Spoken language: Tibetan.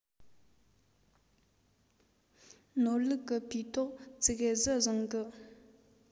ནོར ལུག གི འཕེས ཐོག ཙིག གེ ཟིག བཟང གི